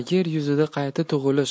yer yuzida qayta tugilish